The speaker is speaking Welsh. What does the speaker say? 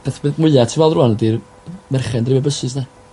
beth beth mwya ti weld rŵan 'di'r merched dreifio byses 'de?